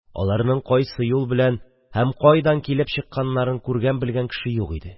Аларның кайсы юл белән һәм каян килеп чыкканнарын белгән-күргән кеше юк иде